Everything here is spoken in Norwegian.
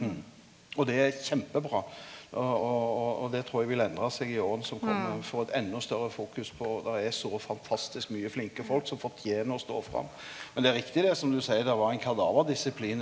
ja og det er kjempebra og og og og det trur eg vil endra seg i åra som kjem, får eit enda større fokus på der er så fantastisk mykje flinke folk som fortener å stå fram, men det er riktig det som du seier, det var ein kadaverdisiplin.